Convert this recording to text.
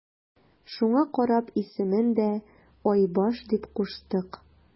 Шуңа карап исемен дә Айбаш дип куштык.